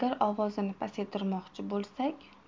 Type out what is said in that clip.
agar ovozini pasaytirmoqchi bo'lsak